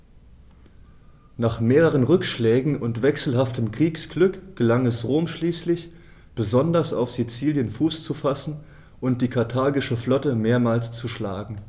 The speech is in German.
Nach mehreren Rückschlägen und wechselhaftem Kriegsglück gelang es Rom schließlich, besonders auf Sizilien Fuß zu fassen und die karthagische Flotte mehrmals zu schlagen.